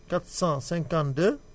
452